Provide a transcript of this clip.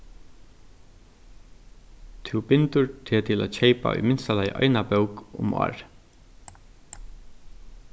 tú bindur teg til at keypa í minsta lagi eina bók um árið